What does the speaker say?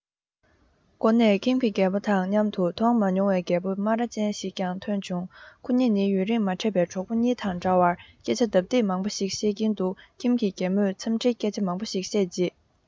སྒོ ནས ཁྱིམ གྱི རྒད པོ དང མཉམ དུ མཐོང མ མྱོང བའི རྒད པོ སྨ ར ཅན ཞིག ཀྱང ཐོན བྱུང ཁོ གཉིས ནི ཡུན རིང མ འཕྲད པའི གྲོགས པོ གཉིས དང འདྲ བར སྐད ཆ ལྡབ ལྡིབ མང པོ ཞིག བཤད ཀྱིན འདུག ཁྱིམ གྱི རྒན མོས འཚམས འདྲིའི སྐད ཆ མང པོ ཞིག བཤད རྗེས